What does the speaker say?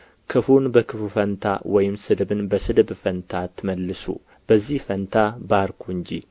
ክፉን በክፉ ፈንታ ወይም ስድብን በስድብ ፈንታ አትመልሱ በዚህ ፈንታ ባርኩ እንጂ